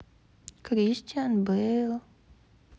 кристиан бэйл